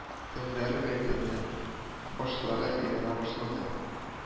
Телләре бәйләнә, башлары әйләнә башлады